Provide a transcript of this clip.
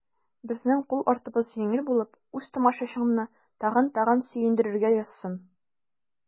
Безнең кул артыбыз җиңел булып, үз тамашачыңны тагын-тагын сөендерергә язсын.